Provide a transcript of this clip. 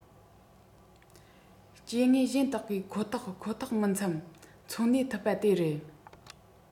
སྐྱེ དངོས གཞན དག གིས ཁོ ཐག ཁོ ཐག མི འཚམ འཚོ གནས ཐུབ པ དེ རེད